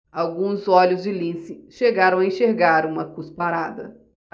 alguns olhos de lince chegaram a enxergar uma cusparada